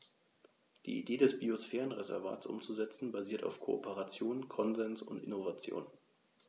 Die Idee des Biosphärenreservates umzusetzen, basiert auf Kooperation, Konsens und Innovation.